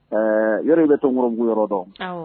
Ɛɛ yɔrɔ i be Tominkɔrɔbugu yɔrɔ dɔn awɔ